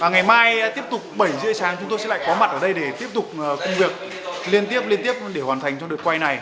và ngày mai tiếp tục bảy rưỡi sáng chúng tôi sẽ lại có mặt ở đây để tiếp tục công việc liên tiếp liên tiếp để hoàn thành xong đợt quay này